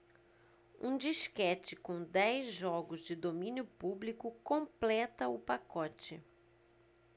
um disquete com dez jogos de domínio público completa o pacote